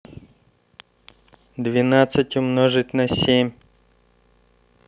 двенадцать умножить на семь